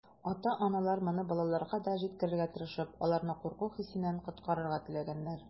Ата-аналар, моны балаларга да җиткерергә тырышып, аларны курку хисеннән коткарырга теләгәннәр.